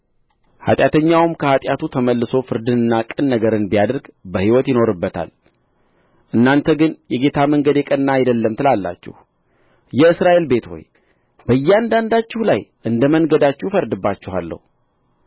ኃጢአተኛውም ከኃጢአቱ ተመልሶ ፍርድንና ቅን ነገርን ቢያደርግ በሕይወት ይኖርበታል እናንተ ግን የጌታ መንገድ የቀና አይደለም ትላላችሁ የእስራኤል ቤት ሆይ በእያንዳንዳችሁ ላይ እንደ መንገዳችሁ እፈርድባችኋለሁ